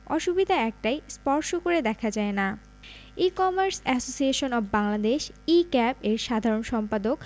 অসুবিধা একটাই স্পর্শ করে দেখা যায় না e commerce association of Bangladesh e CAB এর সাধারণ সম্পাদক